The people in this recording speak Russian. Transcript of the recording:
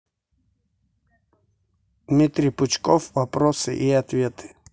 дмитрий пучков вопросы и ответы